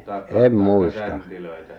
tai tai säntilöitä